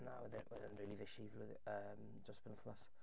Na wedd e wedd e'n rili fisi flwydd- yym dros y penwythnos.